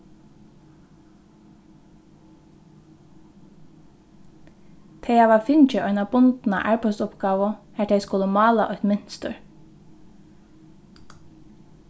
tey hava fingið eina bundna arbeiðsuppgávu har tey skulu mála eitt mynstur